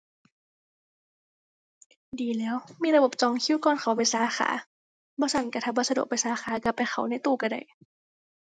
ดีแหล้ว มีระบบจองคิวก่อนเข้าไปสาขา บ่ซั้นก็ถ้าบ่สะดวกไปสาขาก็ไปเข้าในตู้ก็ได้